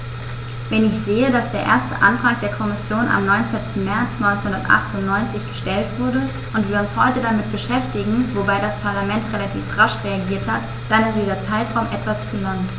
Wenn ich sehe, dass der erste Antrag der Kommission am 19. März 1998 gestellt wurde und wir uns heute damit beschäftigen - wobei das Parlament relativ rasch reagiert hat -, dann ist dieser Zeitraum etwas zu lang.